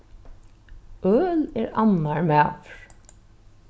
øl er annar maður